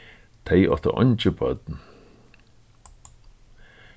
tey áttu eingi børn